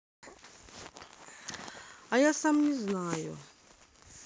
а я сам не знаю